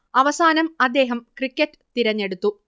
അവസാനം അദ്ദേഹം ക്രിക്കറ്റ് തിരെഞ്ഞെടുത്തു